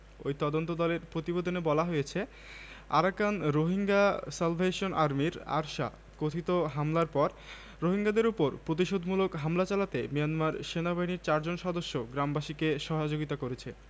যুক্তরাষ্ট্র এরই মধ্যে রাখাইনে গণহত্যার অন্যতম মূল হোতা এক শীর্ষ সামরিক কমান্ডারের ওপর নিষেধাজ্ঞা আরোপ করেছে মিয়ানমার রাখাইন রাজ্য পরিস্থিতি বিশ্বের কাছ থেকে আড়াল করতে সেখানে কাউকে যেতে দিচ্ছে না